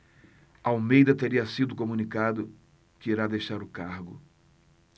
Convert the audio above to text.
almeida teria sido comunicado que irá deixar o cargo